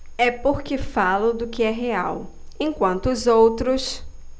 é porque falo do que é real enquanto os outros